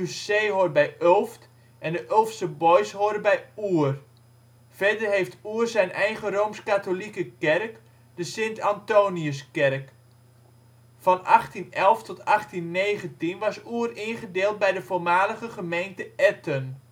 SDOUC hoort bij Ulft en de Ulftse Boys horen bij Oer. Verder heeft Oer zijn eigen rooms-katholieke-kerk, de Sint-Antoniuskerk. Van 1811 tot 1817 was Oer ingedeeld bij de voormalige gemeente Etten